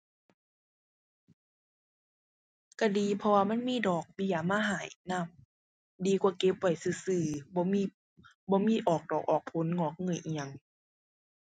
ก็ดี เพราะว่ามันมีดอกเบี้ยมาให้นำ ดีกว่าเก็บไว้ซื่อซื่อ บ่มี บ่มีออกดอกออกผลงอกเงยอิหยัง